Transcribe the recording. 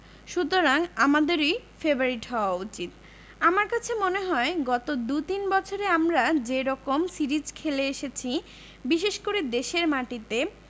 সুতরাং আমাদেরই ফেবারিট হওয়া উচিত আমার কাছে মনে হয় গত দু তিন বছরে আমরা যে রকম সিরিজ খেলে এসেছি বিশেষ করে দেশের মাটিতে